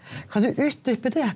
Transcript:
kan du utdype det?